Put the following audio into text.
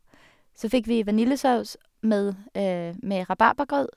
Så fikk vi vaniljesaus med med rabarbragrøt.